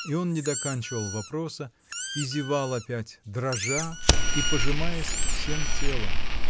" И он не доканчивал вопроса и зевал опять, дрожа и пожимаясь всем телом.